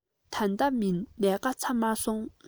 ད ལྟ མིན ལས ཀ ཚར མ སོང